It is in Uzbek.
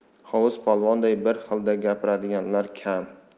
hovuz polvonday bir xilda gapiradiganlar kam